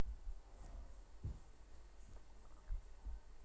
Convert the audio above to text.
фанни кэтс